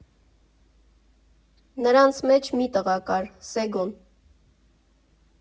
Նրանց մեջ մի տղա կար՝ Սեգոն։